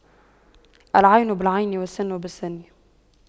العين بالعين والسن بالسن